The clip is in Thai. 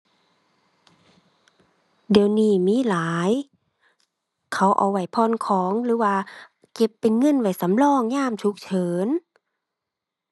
เดี๋ยวนี้มีหลาย เขาเอาไว้ผ่อนของหรือว่าเก็บเป็นเงินไว้สำรองยามฉุกเฉิน